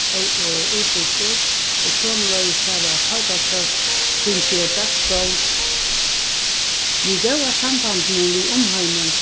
og útbygdur og somuleiðis hava kaldbaksfólk fingið dagstovn ja við góða sambandinum við umheimin